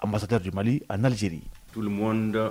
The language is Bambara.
A masa a naalizri